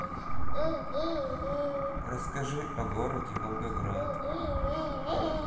расскажи о городе волгоград